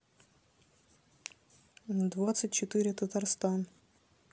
двадцать четыре татарстан